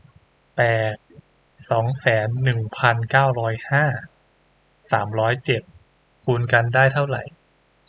แปดสองแสนหนึ่งพันเก้าร้อยห้าสามร้อยเจ็ดคูณกันได้เท่าไหร่